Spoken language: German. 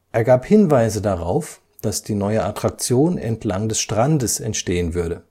Er gab Hinweise darauf, dass die neue Attraktion entlang des Strandes entstehen würde